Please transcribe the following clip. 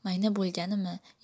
mayna bo'lganimi